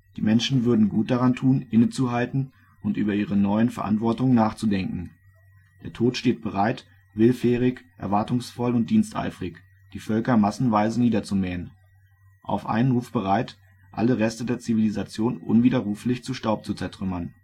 Die Menschen würden gut daran tun, inne zu halten und über ihre neuen Verantwortungen nachzudenken. Der Tod steht bereit, willfährig, erwartungsvoll und diensteifrig, die Völker massenweise niederzumähen; auf einen Ruf bereit, alle Reste der Zivilisation unwiderruflich zu Staub zu zertrümmern